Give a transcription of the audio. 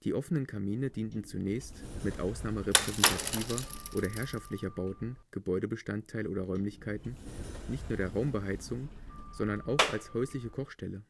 offenen Kamine dienten zunächst – mit Ausnahme repräsentativer oder herrschaftlicher Bauten, Gebäudebestandteile oder Räumlichkeiten – nicht nur der Raumbeheizung, sondern auch als häusliche Kochstelle